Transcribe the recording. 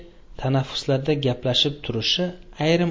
tanaffuslarda gaplashib turishi ayrim o'quvchi